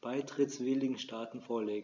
beitrittswilligen Staaten vorlegen.